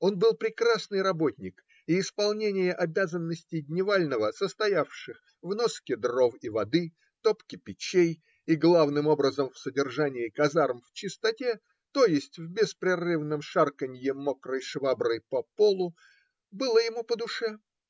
Он был прекрасный работник, и исполнение обязанностей дневального, состоявших в носке дров и воды, топке печей и, главным образом, в содержании казарм в чистоте, то есть в беспрерывном шарканье мокрой шваброй по полу, было ему по душе.